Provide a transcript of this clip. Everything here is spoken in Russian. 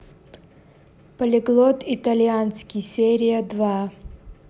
полиглот итальянский серия два